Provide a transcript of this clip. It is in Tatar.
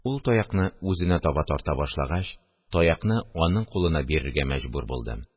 Ул таякны үзенә таба тарта башлагач, таякны аның кулына бирергә мәҗбүр булдым